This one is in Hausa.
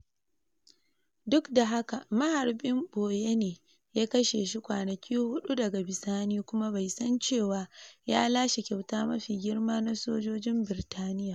Duk da haka, maharbin boye ne ya kashe shi kwanaki hudu daga bisani, kuma bai san cewa ya lashe kyauta mafi girma na sojojin Birtaniya ba.